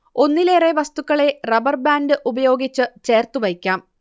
ഒന്നിലെറെ വസ്തുക്കളെ rubber band ഉപയോഗിച്ച് ചേർത്തു വയ്ക്കാം